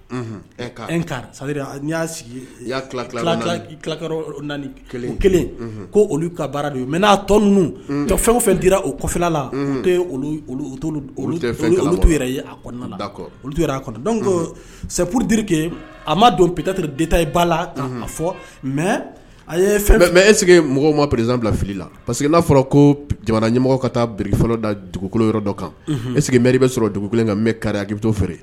N' y'a sigi kelen kelen ko olu ka baara mɛ n'a tɔn ninnu fɛn o fɛn dira ofila la ko sɛpke a ma don peretetirita ba la fɔ mɛ a ye fɛn mɛ e mɔgɔw ma prez bila fili la parce que n'a fɔra ko jamana ɲɛmɔgɔ ka taa fɔlɔ da dugukolo yɔrɔ dɔ kan e sigi mri bɛ sɔrɔ dugu ka mɛ kari a bɛto fɛ